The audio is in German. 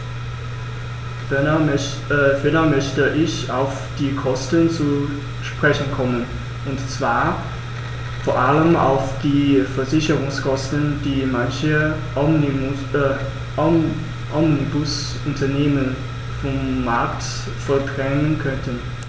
Ferner möchte ich auf die Kosten zu sprechen kommen, und zwar vor allem auf die Versicherungskosten, die manche Omnibusunternehmen vom Markt verdrängen könnten.